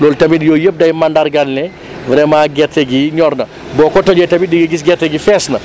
loolu tamit yooyu yëpp day mandargaal ne vraiment gerte gi ñor na boo ko tojee tamit di nga gis gerte gi fees na